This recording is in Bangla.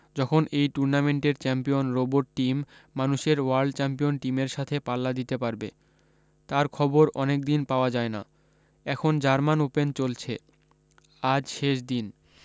যখন এই টুর্নামেন্টের চ্যাম্পিয়ন রোবোট টিম মানুষের ওয়ার্ল্ড চ্যাম্পিয়ন টিমের সাথে পাল্লা দিতে পারবে তার খবর অনেক দিন পাওয়া যায় না এখন জার্মান ওপেন চলছে আজ শেষ দিন